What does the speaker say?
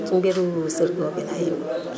si mbirum sorgho bi laay yëngu